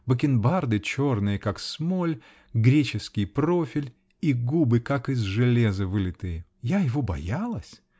Бакенбарды черные, как смоль, греческий профиль -- и губы как из железа вылитые. Я его боялась!